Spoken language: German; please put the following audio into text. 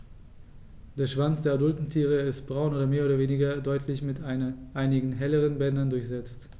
Der Schwanz der adulten Tiere ist braun und mehr oder weniger deutlich mit einigen helleren Bändern durchsetzt.